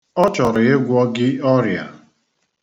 Ọ chọrọ ịgwọ gị ọrịa.